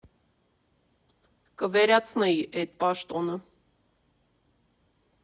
Կվերացնեի էդ պաշտոնը։